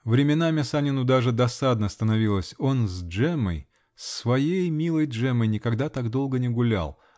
Временами Санину даже досадно становилось: он с Джеммой, с своей милой Джеммой никогда так долго не гулял.